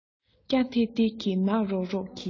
སྐྱ ཐེར ཐེར གྱི ནག རོག རོག གི